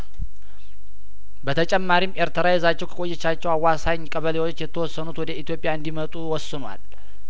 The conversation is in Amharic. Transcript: በተጨማሪም ኤርትራ ይዛቸው ከቆየቻቸው አዋሳኝ ቀበሌዎች የተወሰኑት ወደ ኢትዮጵያ እንዲመጡ ወስኗል